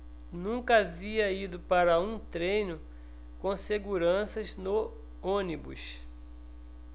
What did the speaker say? nunca havia ido para um treino com seguranças no ônibus